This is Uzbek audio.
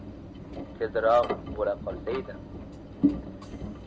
tezroq bo'la qolsaydi